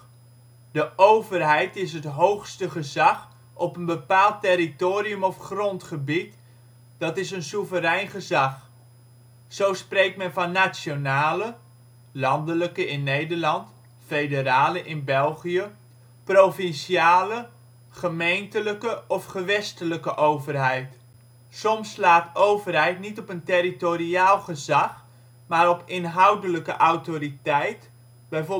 overheid is het hoogste gezag op een bepaald territorium of grondgebied (= soeverein gezag). Zo spreekt men van nationale (" landelijke " in Nederland -" federale " in België), provinciale, gemeentelijke of gewestelijke overheid. Soms slaat overheid niet op een territoriaal gezag, maar op inhoudelijke autoriteit, bijv